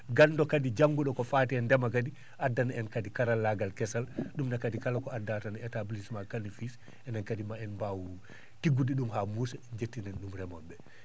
nganndo kadi janngu?o ko faati e ndema kadi addana en kadi karallaagal kesal ?um ne kadi kala ko adda tan établissement: Kane et fils enen kadi maa en mbaaw tiggude ?um haa muusa jettinen ?um remoo?e ?ee